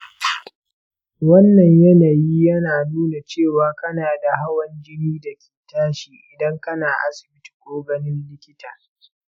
wannan yanayi yana nuna cewa kanada hawan jinin dake tashi idan kana asibiti ko ganin likita.